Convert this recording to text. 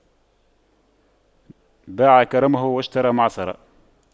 باع كرمه واشترى معصرة